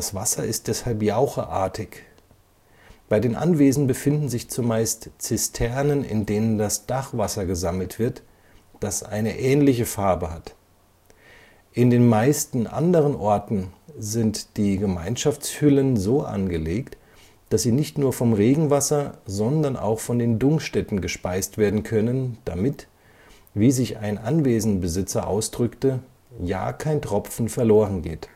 Wasser ist deshalb jaucheartig. Bei den Anwesen befinden sich zumeist Zisternen, in denen das Dachwasser gesammelt wird, das eine ähnliche Farbe hat. In den meisten anderen Orten sind die Gemeinschaftshüllen so angelegt, daß sie nicht nur vom Regenwasser, sondern auch von den Dungstätten gespeist werden können, damit, wie sich ein Anwesenbesitzer ausdrückte, ja kein Tropfen verlorengeht